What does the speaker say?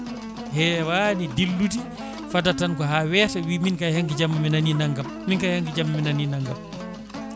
heewani dillude fadata tan ko ha weeta wiiya min kay hanki jamma mi nani naggam min kayi hankki jamma mi nani naggam